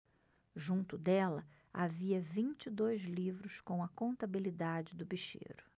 junto dela havia vinte e dois livros com a contabilidade do bicheiro